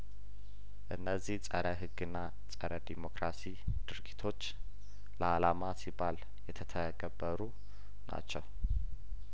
እነዚህ ጸረ ህግና ጸረ ዲሞክራሲ ድርጊቶች ለአላማ ሲባል የተተገበሩ ናቸው